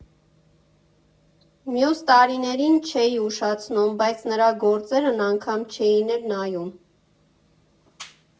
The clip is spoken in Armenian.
Մյուս տարիներին չէր ուշացնում, բայց նրա գործերն անգամ չէին էլ նայում։